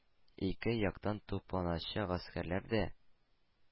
Ике яктан да тупланачак гаскәрләр дә